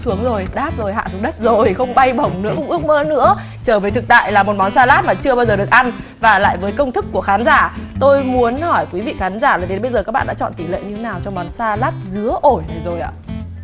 xuống rồi đáp rồi hạ xuống đất rồi không bay bổng nữa không ước mơ nữa trở về thực tại là một món xa lát mà chưa bao giờ được ăn vả lại với công thức của khán giả tôi muốn hỏi quý vị khán giả đến bây giờ các bạn chọn tỷ lệ như thế nào cho món xa lát dứa ổi này rồi ạ